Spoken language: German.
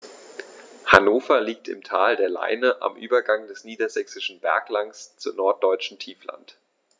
Hannover liegt im Tal der Leine am Übergang des Niedersächsischen Berglands zum Norddeutschen Tiefland.